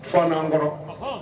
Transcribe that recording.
Fana an kɔrɔ, ɔnhɔn.